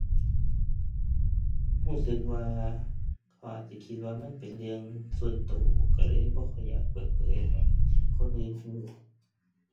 รู้สึกว่าเขาอาจสิคิดว่ามันเป็นเรื่องส่วนรู้ รู้เลยบ่ค่อยอยากเปิดเผยให้คนอื่นรู้